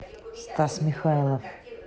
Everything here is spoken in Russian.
стас михайлов